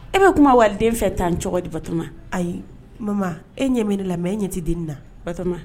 E bɛ kuma waliden fɛ tan cogo di bat ayi nba e ɲɛmɛ ne la mɛ e ɲɛti den da bato